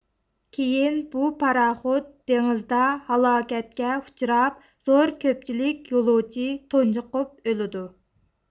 كېيىن بۇ پاراخوت دېڭىزدا ھالاكەتكە ئۇچراپ زور كۆپچىلىك يولۇچى تۇنجۇقۇپ ئۆلىدۇ